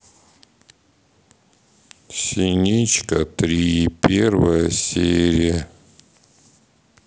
синичка три первая серия